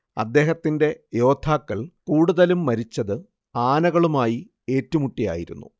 അദ്ദേഹത്തിന്റെ യോദ്ധാക്കൾ കൂടുതലും മരിച്ചത് ആനകളുമായി ഏറ്റുമുട്ടിയായിരുന്നു